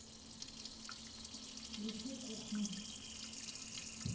включи кухня